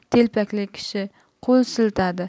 telpakli kishi qo'l siltadi